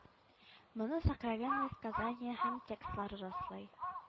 Моны сокровенное сказание һәм текстлары раслый